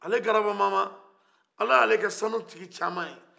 ale grabamama ala ye ale kɛ sanu tigi cama ye